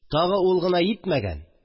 Тагы ул гына йитмәгән